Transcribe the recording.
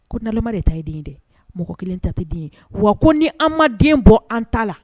Ko nalama de ta ye den dɛ mɔgɔ kelen ta tɛ den ye wa ko ni an ma den bɔ an ta la